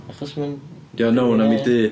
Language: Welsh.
Achos ma'n... Ydy o'n known am ei dŷ?